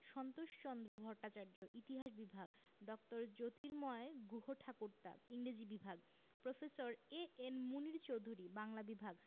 সন্তোষচন্দ্র ভট্টাচার্য ইতিহাস বিভাগ ড. জ্যোতির্ময় গুহঠাকুরতা ইংরেজি বিভাগ প্রফেসর এ.এন মুনীর চৌধুরী বাংলা বিভাগ